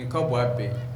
N ka bɔ a bɛ